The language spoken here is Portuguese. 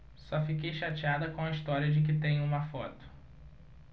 só fiquei chateada com a história de que tem uma foto